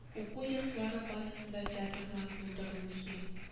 Уку йортлары базасында театрлар булдыру мөһим